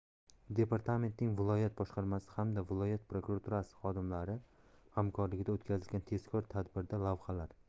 departamentning viloyat boshqarmasi hamda viloyat prokuraturasi xodimlari hamkorligida o'tkazilgan tezkor tadbirda lavhalar